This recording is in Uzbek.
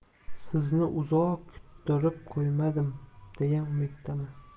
sizni uzoq kuttirib qo'ymadim degan umiddaman